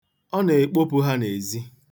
Ọ na-ekpopụ ha n'ezi.